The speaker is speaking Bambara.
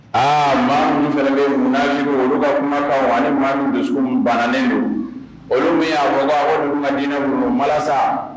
A maa minnu fana bɛ munsin olu ka kuma kan ani ni maa min don baaranen don olu min' ninnu ma diinɛ mun walasa sa